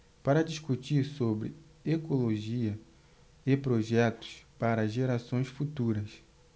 para discutir sobre ecologia e projetos para gerações futuras